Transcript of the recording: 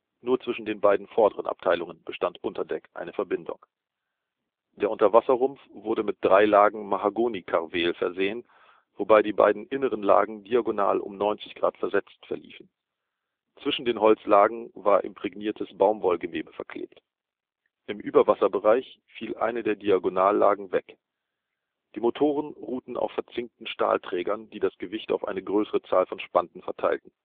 Nur zwischen den beiden vorderen Abteilungen bestand unter Deck eine Verbindung. Der Unterwasserrumpf wurde mit drei Lagen Mahagoni-Karweel versehen, wobei die beiden inneren Lagen diagonal um 90° versetzt verliefen. Zwischen den Holzlagen war imprägniertes Baumwollgewebe verklebt. Im Überwasserbereich fiel eine der Diagonallagen weg. Die Motoren ruhten auf verzinkten Stahlträgern, die das Gewicht auf eine größere Zahl von Spanten verteilten